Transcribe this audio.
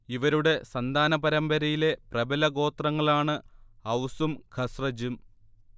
ഇവരുടെ സന്താന പരമ്പരയിലെ പ്രബല ഗോത്രങ്ങളാണ് ഔസും ഖസ്റജും